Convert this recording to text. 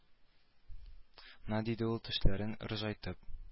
На памйат диде ул тешләрен ыржайтып